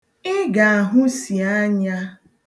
Ị ga-ahụsi anya.